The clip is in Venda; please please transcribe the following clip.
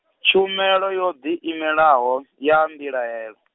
Tshumelo yo ḓi imelaho, ya Mbilahelo.